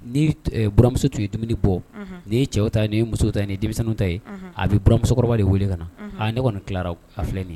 Ni bmuso tun ye dumuni bɔ ni ye cɛ ta n' ye muso ta ye ni denmisɛnnin denmisɛnw ta ye a bɛuramusokɔrɔba de wele ka na aa ne kɔni tila a filɛ nin